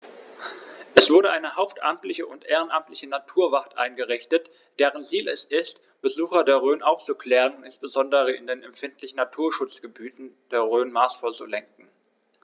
Es wurde eine hauptamtliche und ehrenamtliche Naturwacht eingerichtet, deren Ziel es ist, Besucher der Rhön aufzuklären und insbesondere in den empfindlichen Naturschutzgebieten der Rhön maßvoll zu lenken.